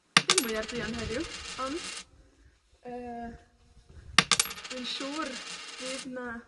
dim mwyar duon heddiw, ond, yy, dwi'n siŵr fydd 'na